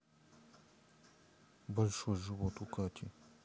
большой живот у кати